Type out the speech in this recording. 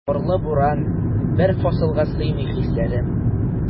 Карлы буран, бер фасылга сыймый хисләре.